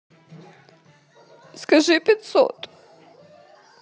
скажи пятьсот